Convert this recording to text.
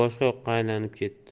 boshqa yoqqa aylanib ketdi